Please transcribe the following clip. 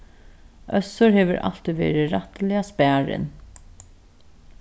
øssur hevur altíð verið rættiliga sparin